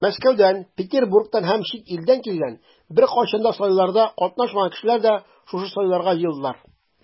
Мәскәүдән, Петербургтан һәм чит илдән килгән, беркайчан да сайлауларда катнашмаган кешеләр дә шушы сайлауларга җыелдылар.